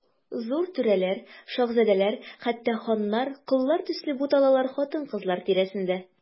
Зур түрәләр, шаһзадәләр, хәтта ханнар, коллар төсле буталалар хатын-кызлар тирәсендә.